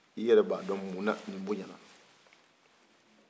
i yɛrɛ b'a dɔn muna ni bonya na